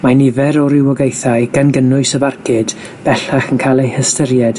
Mae nifer o rywogaethau, gan gynnwys y barcud, bellach yn cael eu hystyried